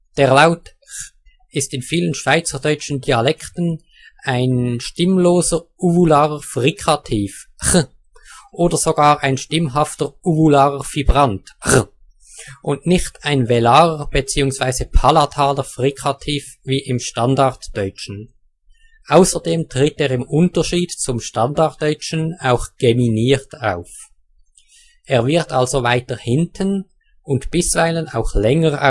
Der Laut / x / ist in vielen schweizerdeutschen Dialekten ein stimmloser uvularer Frikativ [χ] oder sogar ein stimmhafter uvularer Vibrant [ʀ̥], und nicht ein velarer bzw. palataler Frikativ wie im Standarddeutschen. Ausserdem tritt er im Unterschied zum Standarddeutschen auch geminiert auf. Er wird also weiter hinten und bisweilen auch länger